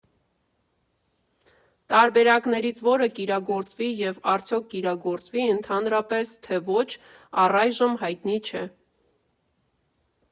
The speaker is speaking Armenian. Տարբերակներից որը կիրագործվի, և արդյոք կիրագործվի ընդհանրապես, թե ոչ, առայժմ հայտնի չէ։